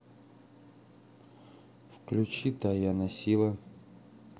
включи таяна сила